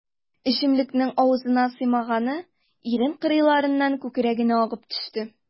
Эчемлекнең авызына сыймаганы ирен кырыйларыннан күкрәгенә агып төште.